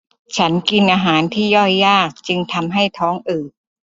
ฉันกินอาหารที่ย่อยยากจึงทำให้ท้องอืด